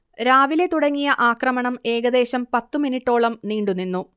രാവിലെ തുടങ്ങിയ ആക്രമണം ഏകദേശം പത്തുമിനിട്ടോളം നീണ്ടു നിന്നു